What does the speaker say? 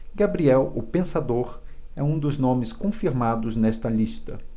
gabriel o pensador é um dos nomes confirmados nesta lista